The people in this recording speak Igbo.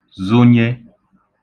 zụnye